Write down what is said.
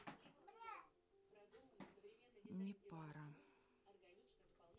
не пара